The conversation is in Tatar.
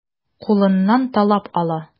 Кулыннан талап ала.